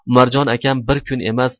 umarjon akam bir kun emas